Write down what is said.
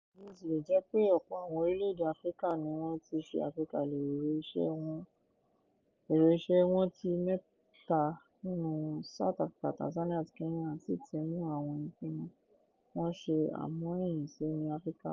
Bí ó tilẹ̀ jẹ́ pé ọ̀pọ̀ àwọn orílẹ̀ èdè Áfíríkà ni wọ́n ti ṣe àgbékalè èrò ìṣẹ́ wọn tí mẹ́ta nínú wọn_South Africa, Tanzania àti Kenya sì ti mú àwọn ìpinnu wọn ṣe àmọ́ ẹ̀yìn ṣi ni Áfíríkà wà.